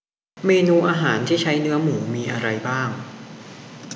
เมนูอาหารที่ใช้เนื้อหมูมีอะไรบ้าง